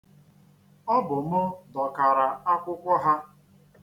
Ọ bụ mụ dọkara akwụkwọ ha.